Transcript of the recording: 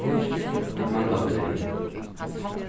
vit mangla breyð